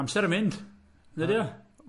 Amser yn mynd, yndydy o?